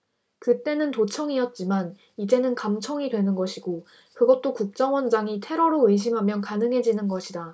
그 때는 도청이었지만 이제는 감청이 되는 것이고 그것도 국정원장이 테러로 의심하면 가능해지는 것이다